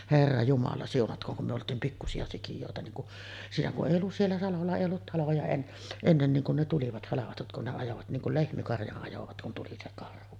herra jumala siunatkoon kun me oltiin pikkuisia sikiöitä niin kun siinä kun ei ollut siellä salolla ei ollut taloja - ennen niin kun ne tulivat halvatut kun ne ajoivat niin kuin lehmikarjan ajoivat kun tuli se karhu